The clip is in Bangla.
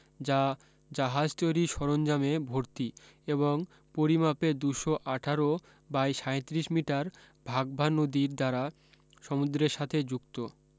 যা জাহাজ তৈরীর সরঞ্জামে ভর্তি এবং পরিমাপে দুশো আঠারো বাই সাঁইত্রিশ মিটার ভাগভা নদীর দ্বারা সমুদ্রের সাথে যুক্ত